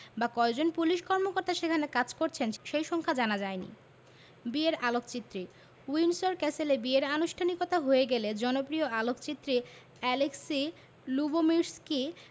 বা কয়জন পুলিশ কর্মকর্তা সেখানে কাজ করছেন সেই সংখ্যা জানা যায়নি বিয়ের আলোকচিত্রী উইন্ডসর ক্যাসেলে বিয়ের আনুষ্ঠানিকতা হয়ে গেলে জনপ্রিয় আলোকচিত্রী অ্যালেক্সি লুবোমির্সকি